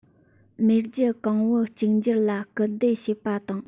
མེས རྒྱལ གོང བུ གཅིག གྱུར ལ སྐུལ འདེད བྱེད པ དང